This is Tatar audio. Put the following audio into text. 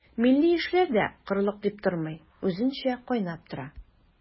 Милли эшләр дә корылык дип тормый, үзенчә кайнап тора.